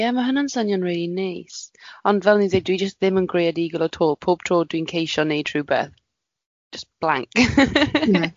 Ie ma' hwnna'n swnio'n rili neis. Ond fel o'n i'n ddeud, dwi jyst ddim yn greadigol at all. Pob tro dwi'n ceisio wneud rhywbeth, jyst blank .